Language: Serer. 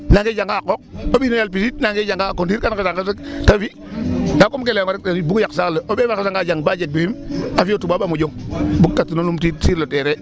O ɓiy no qooxoox nangee jangaa a qooq ,o ɓiy no yaal pisit nangee janga a conduire kan nqesa nqes rek tq fi' ndaa comme ke layonga rek ten bugu yaq saax le o ɓeef a xesanga jang ba jeg BFEM a fi' o Toubab a moƴong bukatino numtiid sur le terrain.